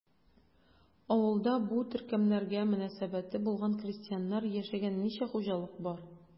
Авылда бу төркемнәргә мөнәсәбәте булган крестьяннар яшәгән ничә хуҗалык бар?